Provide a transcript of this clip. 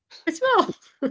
Be ti'n meddwl?